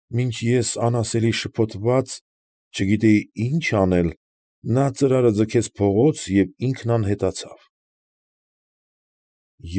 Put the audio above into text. Մինչ ես, անասելի շփոթված, չգիտեի ինչ անել, նա ծրարը ձգեց փողոց և ինքն անհետացավ։